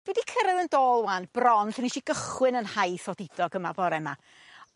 Fi 'di cyrredd yn dôl ŵan bron lle nesh i gychwyn 'yn nhaith odidog yma bore 'ma.